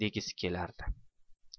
degisi kelardi